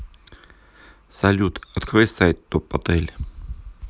салют открой сайт топ отель